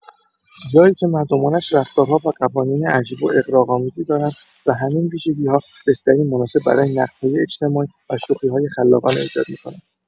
جایی که مردمانش رفتارها و قوانین عجیب و اغراق‌آمیزی دارند و همین ویژگی‌ها بستری مناسب برای نقدهای اجتماعی و شوخی‌های خلاقانه ایجاد می‌کند.